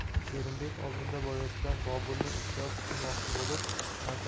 sherimbek oldinda borayotgan boburni ehtiyot qilmoqchi